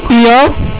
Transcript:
iyo